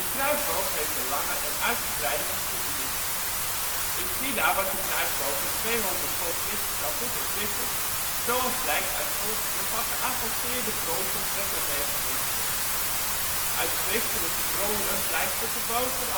kruisboog heeft een lange en uitgebreide geschiedenis. In China was de kruisboog in 200 v. Chr al goed ontwikkeld, zoals blijkt uit vondsten van geavanceerde bronzen trekkermechanismen. Uit schriftelijke bronnen blijkt dat de bogen